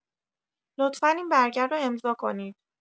لطفا این برگه رو امضا کنید.